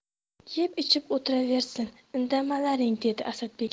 yeb ichib o'tiraversin indamalaring dedi asadbek